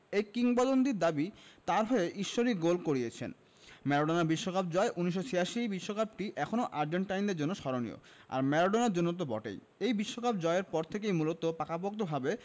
এই কিংবদন্তির দাবি তাঁর হয়ে ঈশ্বরই গোল করিয়েছেন ম্যারাডোনার বিশ্বকাপ জয় ১৯৮৬ বিশ্বকাপটি এখনো আর্জেন্টাইনদের জন্য স্মরণীয় আর ম্যারাডোনার জন্য তো বটেই এই বিশ্বকাপ জয়ের পর থেকেই মূলত পাকাপোক্তভাবে